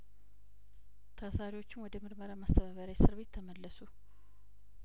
ታሳሪዎቹም ወደ ምርመራ ማስተባበሪያ እስር ቤት ተመለሱ